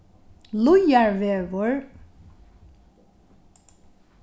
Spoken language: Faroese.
líðarvegur